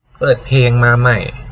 เปิดเพลงมาใหม่